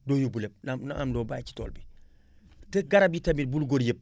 doo yóbbu lépp na am na am loo bçyyi ci tool bi te garab yi tamit bul gor yëpp